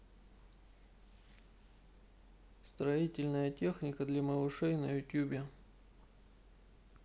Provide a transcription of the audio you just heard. строительная техника для малышей на ютюбе